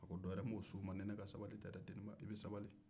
ɔ dɔwɛrɛ m'o s'u ma ni ne ka sabali tɛ dɛ deniba i bɛ sabali